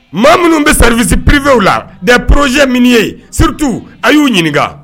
Maa minnu bɛ serivsi ppvw la de poroze mini ye stuu a y'u ɲininka